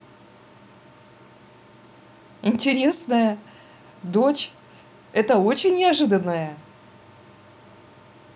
интересная дочь это очень неожиданное